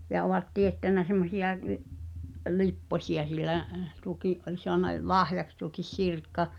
sehän kuului tekevän uudestaan ja ovat teettänyt semmoisia niin lipposia sillä tuokin oli saanut - lahjaksi tuokin Sirkka